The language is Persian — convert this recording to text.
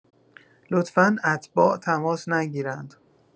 لطفا اتباع تماس نگیرند